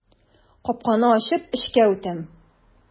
Капканы ачып эчкә үтәм.